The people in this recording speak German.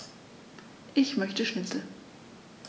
Ich möchte Schnitzel.